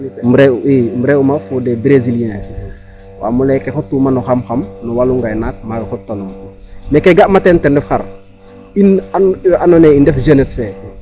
Ref'u ma fo' des brésiliens waam o lay ee ke xotuma no xam xam no walum ngaynaak maaga xotanum me ke ga'ma teen ten ref in we andoona yee den ndef jeunesse fe .